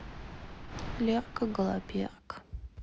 лерка голоперка